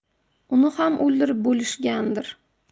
uni ham o'ldirib bo'lishgandir